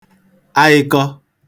aịkọ